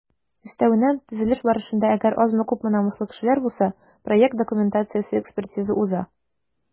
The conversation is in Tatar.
Өстәвенә, төзелеш барышында - әгәр азмы-күпме намуслы кешеләр булса - проект документациясе экспертиза уза.